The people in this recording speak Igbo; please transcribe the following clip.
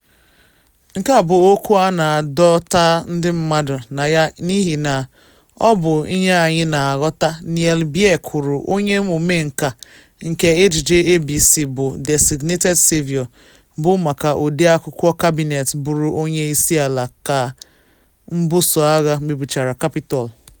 “Nke a bụ ọkụ a na adọta ndị mmadụ na ya n’ihi ọ bụ ihe anyị na aghọta,” Neal Baer kwuru, onye ọmenka nke ejije ABC bụ “Designated Survivor,” bụ maka ọde akwụkwọ kabinet bụrụ onye isi ala ka mbuso agha mebichara Capitol.